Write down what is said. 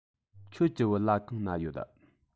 ཁྱོད ཀྱི བོད ལྭ གང ན ཡོད